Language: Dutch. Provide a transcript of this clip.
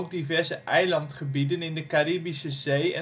diverse eilandgebieden in de Caraïbische Zee